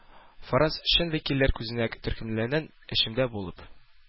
Фараз - чын вәкилләр күзәнәк төркемнәренең эчендә булып...